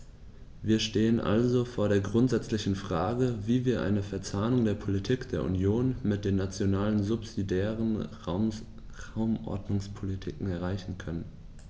Wir stehen also vor der grundsätzlichen Frage, wie wir eine Verzahnung der Politik der Union mit den nationalen subsidiären Raumordnungspolitiken erreichen können.